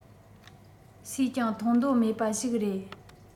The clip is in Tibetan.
སུས ཀྱང མཐོང འདོད མེད པ ཞིག རེད